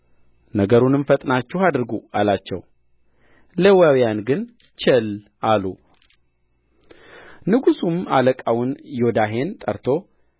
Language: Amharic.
ነገሩንም ፈጥናችሁ አድርጉ አላቸው ሌዋውያን ግን ቸል አሉ ንጉሡም አለቃውን ዮዳሄን ጠርቶ